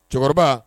Cɛkɔrɔba